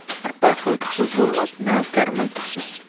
arpa qiltiqsiz bo'lmas navkar miltiqsiz